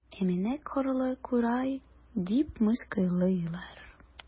Ә мине кырлы курай дип мыскыллыйлар.